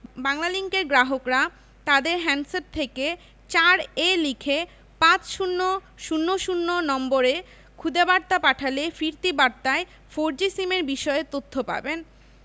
বাংলালিংকের গ্রাহকরা তাদের হ্যান্ডসেট থেকে ৪ এ লিখে পাঁচ শূণ্য শূণ্য শূণ্য নম্বরে খুদে বার্তা পাঠালে ফিরতি বার্তায় ফোরজি সিমের বিষয়ে তথ্য পাবেন